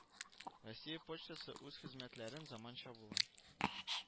России почтасы үз хезмәтләрен заманчалаштырмакчы була